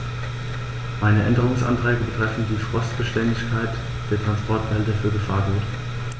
Meine Änderungsanträge betreffen die Frostbeständigkeit der Transportbehälter für Gefahrgut.